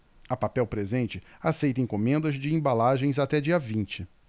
a papel presente aceita encomendas de embalagens até dia vinte